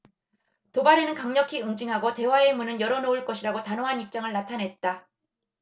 도발에는 강력히 응징하고 대화의 문은 열어 놓을 것이라고 단호한 입장을 나타냈다